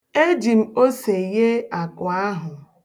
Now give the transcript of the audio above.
E jim ose ghee akụ ahụ.